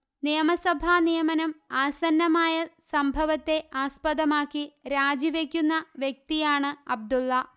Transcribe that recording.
നിയമസഭാ നിയമനം ആസന്നമായ സംഭവത്തെ ആസ്പദമാക്കി രാജിവെക്കുന്ന വ്യക്തിയാണ് അബ്ദുള്ള